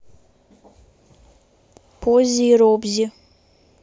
поззи и робзи